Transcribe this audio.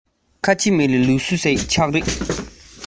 རྒད པོ སྨ ར ཅན ངེད གཉིས